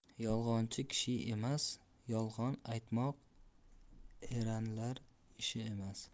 yolg'onchi kishi emas yolg'on aytmoq eranlar ishi emas